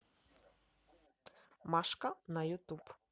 машка на ютуб